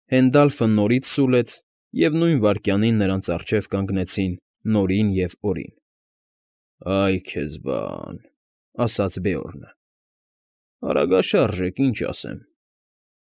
Հենդալֆը նորից սուլեց, և նույն վայրկյանին նրանց առջև կանգնեցին Նորին ու Օրին։ ֊ Այ քեզ բա՜ն,֊ ասաց Բեորնը։֊ Արագաշարժ եք, ինչ ասեմ։